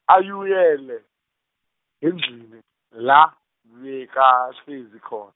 ayuyele, ngendlini, la, bekahlezi khon-.